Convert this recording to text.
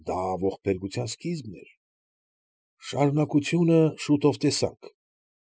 Դա ողբերգության սկիզբն էր. շարունակությունը շուտով տեսանք։